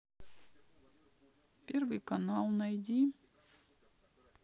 первый канал найди